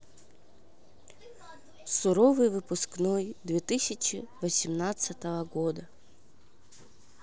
суровый выпускной две тысячи восемнадцатого года